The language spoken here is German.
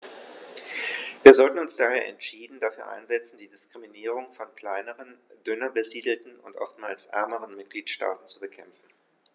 Wir sollten uns daher entschieden dafür einsetzen, die Diskriminierung von kleineren, dünner besiedelten und oftmals ärmeren Mitgliedstaaten zu bekämpfen.